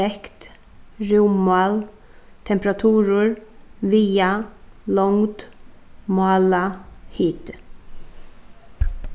vekt rúmmál temperaturur viga longd mála hiti